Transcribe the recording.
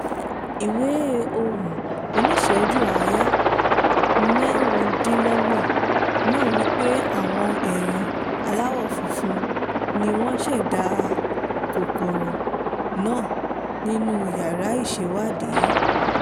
Ìwé-ohùn oníṣẹ̀júú-àáyá-26 náà wí pé àwọn èèyàn aláwọ̀ funfun ni wọ́n ṣẹ̀dá kòkòrò náà nínú yàrá ìṣèwádìí.